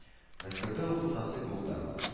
Мәскәүдә уку насыйп булды аңа